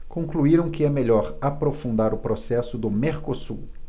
concluíram que é melhor aprofundar o processo do mercosul